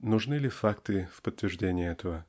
Нужны ли факты в подтверждение этого?